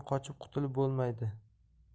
qochib qutulib bo'lmaydi